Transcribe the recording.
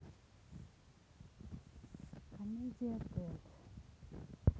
комедия тед